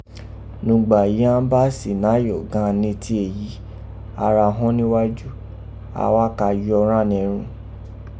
Nùgbà yìí án bá sì náyọ̀ gan an ní ti èyí, a ra họ́n níwájú, a wá ra ka yọ ghan ẹrun.